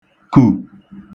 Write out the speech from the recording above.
kù